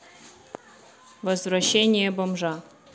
возвращение бомжа